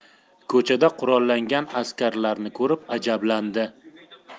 ko'chada qurollangan askarlarni ko'rib ajablandi